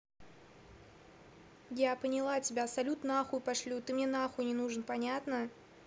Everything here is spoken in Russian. я поняла тебя салют нахуй пошлю ты мне нахуй не нужен понятно